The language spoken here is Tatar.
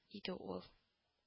Иде ул…